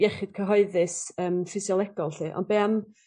iechyd cyhoeddus yn ffisiolegol 'lly ond be' am